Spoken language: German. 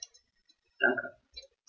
Danke.